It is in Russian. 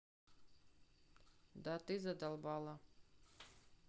да ты задолбала